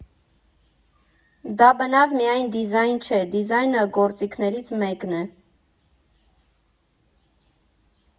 Դա բնավ միայն դիզայն չէ, դիզայնը գործիքներից մեկն է։